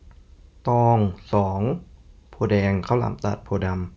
ตองสองโพธิ์แดงข้าวหลามตัดโพธิ์ดำ